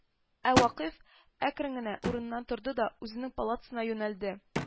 Ә Вакыйф әкрен генә урыныннан торды да үзенең палатасына юнәлде